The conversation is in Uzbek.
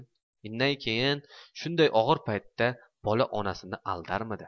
innaykeyin shunday og'ir paytda bola onasini aldarmidi